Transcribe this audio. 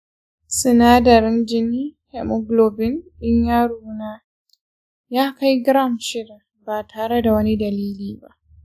sinadarin jinin haemoglobin ɗin yaro na ya kai gram shida ba tare da wani dalili ba.